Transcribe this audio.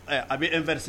A bɛ erise